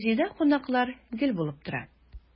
Музейда кунаклар гел булып тора.